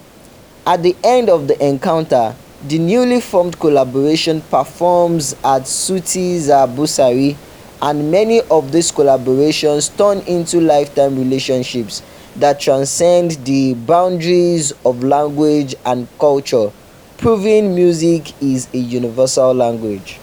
At the end of the "encounter", the newly-formed collaboration performs at Sauti za Busara, and many of these collaborations turn into life-time friendships that transcend the boundaries of language and culture, proving music is a universal language.